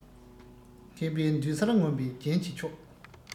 མཁས པའི མདུན སར ངོམས པའི རྒྱན གྱི མཆོག